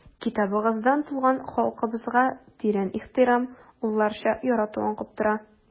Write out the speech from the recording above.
Китабыгыздан туган халкыбызга тирән ихтирам, улларча ярату аңкып тора.